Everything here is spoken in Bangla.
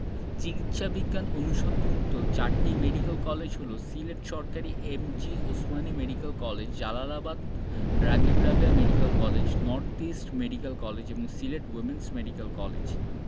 চিকিৎসা বিজ্ঞান অনুষদভুক্ত চারটি মেডিকেল কলেজ হলো সিলেট সরকারি M G Osmani medical college Jalalabad Ragib Rabeya medical college north east medical college এবং সিলেট উইম্যানস মেডিকেল কলেজ